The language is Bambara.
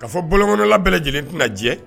Ka fɔ bɔlɔŋɔnɔla bɛɛ lajɛlen tena jɛ